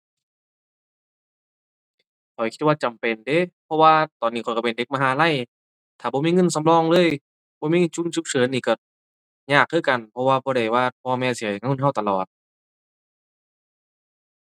ข้อยคิดว่าจำเป็นเดะ เพราะว่าตอนนี้ข้อยก็เป็นเด็กมหาลัย ถ้าบ่มีเงินสำรองเลย บ่มีเงินฉุก ฉุกเฉินนี่ก็ยากคือกัน เพราะว่าบ่ได้ว่าพ่อแม่สิให้เงินก็ตลอด